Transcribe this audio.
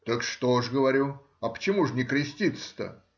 — Так что же,— говорю,— а почему же не креститься-то?